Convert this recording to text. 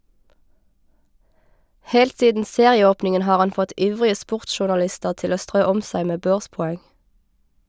Helt siden serieåpningen har han fått ivrige sportsjournalister til å strø om seg med børspoeng.